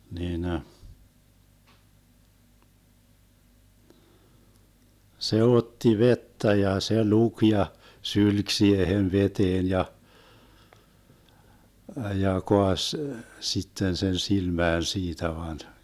niin se otti vettä ja se luki ja sylki siihen veteen ja ja kaatoi sitten sen silmään siitä vain